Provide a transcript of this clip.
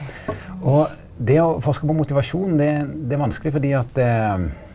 og det å forske på motivasjon det det er vanskelig fordi at .